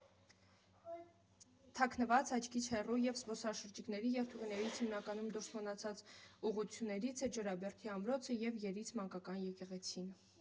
Թաքնված, աչքից հեռու և զբոսաշրջիկների երթուղիներից հիմնականում դուրս մնացած ուղղություններից է Ջրաբերդի ամրոցը և Երից Մանկանց եկեղեցին։